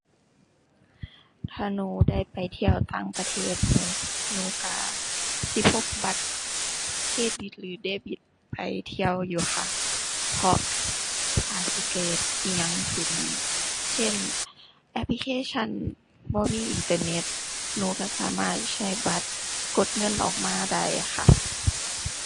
ถ้าหนูได้ไปเที่ยวต่างประเทศ หนู หนูก็สิพกบัตรเครดิต หรือเดบิตไปเที่ยวอยู่ค่ะ เพราะอาจสิเกิดอิหยังขึ้น เช่น แอปพลิเคชันบ่มีอินเทอร์เน็ต หนูก็สามารถใช้บัตรกดเงินออกมาได้ค่ะ